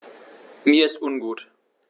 Mir ist ungut.